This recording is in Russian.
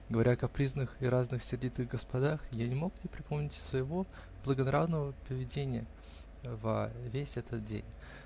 Говоря о капризных и разных сердитых господах, я не мог не припомнить и своего благонравного поведения во весь этот день.